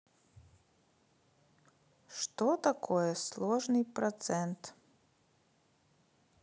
что такое сложный процент